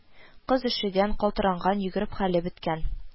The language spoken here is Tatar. Кыз өшегән, калтыранган, йөгереп хәле беткән